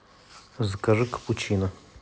закажи капучино